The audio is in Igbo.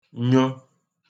nyo